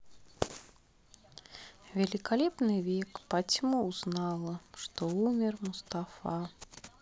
великолепный век по тьма узнала что умер мустафа